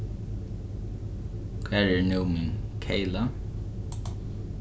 hvar er nú mín keyla